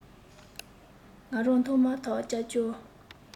ང རང མཐོང མ ཐག ཅ ཅོ